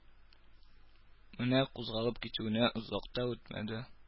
Менә кузгалып китүенә озак та үтмәде